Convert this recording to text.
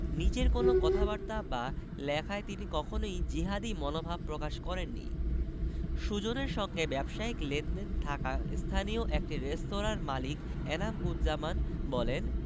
নিজের কোনো কথাবার্তা বা লেখায় তিনি কখনোই জিহাদি মনোভাব প্রকাশ করেননি সুজনের সঙ্গে ব্যবসায়িক লেনদেন থাকা স্থানীয় একটি রেস্তোরাঁর মালিক এনাম উজজামান বলেন